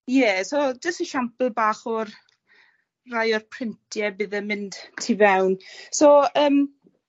Ie so odd jyst esiampl bach o'r rhai o'r printie bydd yn mynd tu fewn. So yym